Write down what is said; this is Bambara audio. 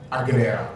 A gyara